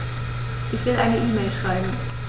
Ich will eine E-Mail schreiben.